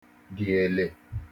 dị̀ èlè